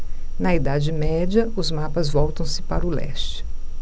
na idade média os mapas voltam-se para o leste